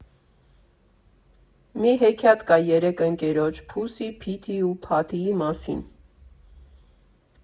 Մի հեքիաթ կա երեք ընկերոջ՝ Փուսի, Փիթի ու Փաթիի մասին։